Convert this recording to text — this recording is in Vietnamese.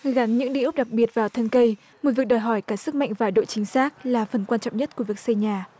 gắn những đĩa ốc đặc biệt vào thân cây một việc đòi hỏi cả sức mạnh và độ chính xác là phần quan trọng nhất của việc xây nhà